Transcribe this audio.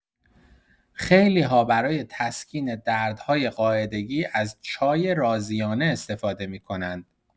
خیلی‌ها برای تسکین دردهای قاعدگی از چای رازیانه استفاده می‌کنند.